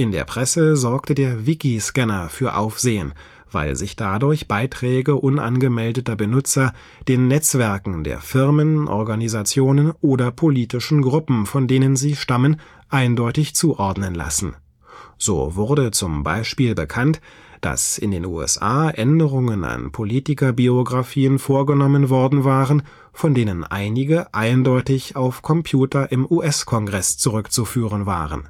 der Presse sorgte der WikiScanner für Aufsehen, weil sich dadurch Beiträge unangemeldeter Benutzer den Netzwerken der Firmen, Organisationen oder politischen Gruppen, von denen sie stammen, eindeutig zuordnen lassen. So wurde zum Beispiel bekannt, dass in den USA Änderungen an Politikerbiographien vorgenommen worden waren, von denen einige eindeutig auf Computer im US-Kongress zurückzuführen waren